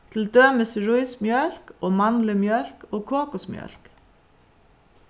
til dømis rísmjólk og mandlumjólk og kokusmjólk